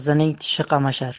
qizining tishi qamashar